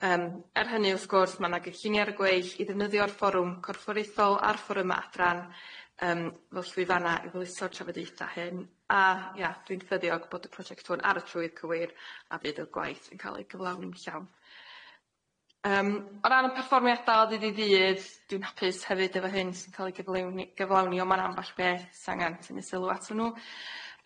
Yym er hynny wrth gwrs ma' na gynllunie ar y gweill i ddefnyddio'r fforwm corffwreithol a'r fforwm adran yym fel llwyfanna i ddlyso'r trafodaetha hyn a ia dwi'n cyddiog bod y prosiect hwn ar y trwydd cywir a bydd y gwaith yn ca'l ei gyflawn yn llawn. Yym o ran y perfformiadau o ddydd i ddydd dwi'n hapus hefyd efo hyn sy'n ca'l ei gyfliwni- gyflawni on' ma'n amball beth sa'n angan sy'n neud sylw ato n'w.